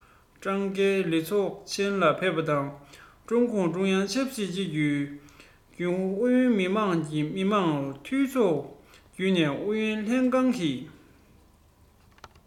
ཀྲང ཀའོ ལི ཚོགས ཆེན ལ ཕེབས པ དང ཀྲུང གུང ཀྲུང དབྱང ཆབ སྲིད ཅུས ཀྱི རྒྱུན ཨུ རྒྱལ ཡོངས མི དམངས འཐུས ཚོགས རྒྱུན ལས ཨུ ཡོན ལྷན ཁང གི